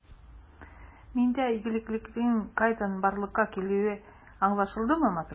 Миндә игелеклелекнең кайдан барлыкка килүе аңлашылдымы, матрос?